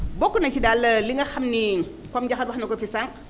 bokk na si daal li nga xam ni comme Ndiakhate wax na ko fi sànq